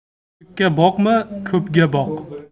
ko'kka boqma ko'pga boq